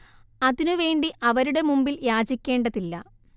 അതിനു വേണ്ടി അവരുടെ മുമ്പിൽ യാചിക്കേണ്ടതില്ല